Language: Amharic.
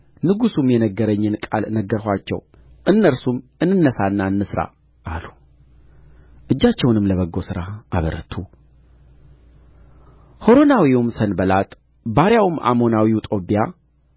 ንጉሡም የነገረኝን ቃል ነገርኋቸው እነርሱም እንነሣና እንሥራ አሉ እጃቸውንም ለበጎ ሥራ አበረቱ ሖሮናዊውም ሰንባላጥ ባሪያውም አሞናዊው ጦብያ